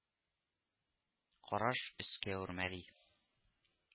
Караш өскә үрмәли